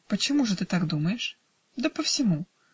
-- "Почему же ты так думаешь?" -- "Да по всему".